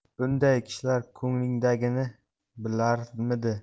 bunday kishilar ko'nglingdagini bilarmidi